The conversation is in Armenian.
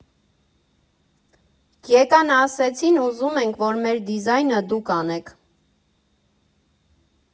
Եկան, ասեցին՝ ուզում ենք, որ մեր դիզայնը դուք անեք։